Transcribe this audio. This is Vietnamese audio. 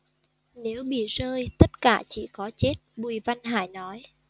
nếu bị rơi tất cả chỉ có chết bùi văn hải nói